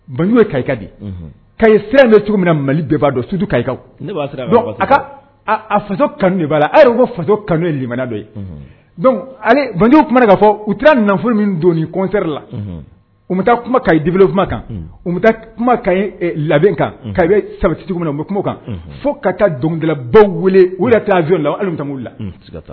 Banjugu ye ka di ka sira cogo na mali bɛɛba su ka a a faso kanu b'a a y'o ko faso kanmanadɔ ye manw kuma ka fɔ u tɛna nafolo min don kɔnɛri la u bɛ taa kuma ka diele kuma kan u bɛ kuma ka ɲi labɛn kan ka bɛ sabatitigiw min na u bɛ kuma kan fo ka taa dɔnkilibaw weele u taa fi la hali' la